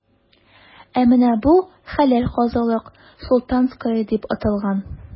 Ә менә бу – хәләл казылык,“Султанская” дип аталган.